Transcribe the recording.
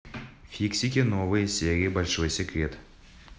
фиксики новые серии большой секрет